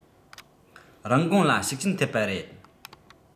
རིན གོང ལ ཤུགས རྐྱེན ཐེབས པ རེད